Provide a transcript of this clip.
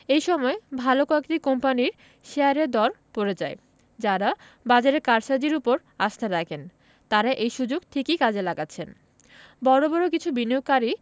এ সময় ভালো কয়েকটি কোম্পানির শেয়ারের দর পড়ে যায় যাঁরা বাজারের কারসাজির ওপর আস্থা রাখেন তাঁরা এই সুযোগ ঠিকই কাজে লাগাচ্ছেন বড় বড় কিছু বিনিয়োগকারী